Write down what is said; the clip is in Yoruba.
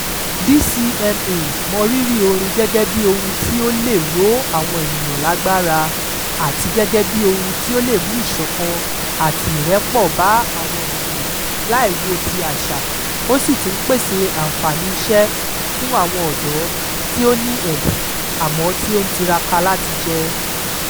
DCMA mọ rírì orin gẹ́gẹ́ bí ohun tí ó leè ró àwọn ènìyàn lágbára àti gẹ́gẹ́ bí ohun tí ó lè mú ìṣọ̀kan àti ìrẹ́pọ̀ bá àwọn ènìyàn láì wo ti àṣà — ó sì tún ń pèsè àǹfààní iṣẹ́ fún àwọn ọ̀dọ́ tí ó ní ẹ̀bùn àmọ́ tí ó ń tiraka láti jẹ.